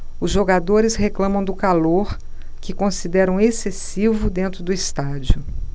os jogadores reclamam do calor que consideram excessivo dentro do estádio